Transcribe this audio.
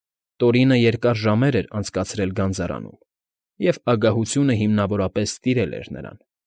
Տորինը երկար ժամեր էր անցկացրել գանձարանում, և ագահությունը հիմնավորապես տիրել էր նրան։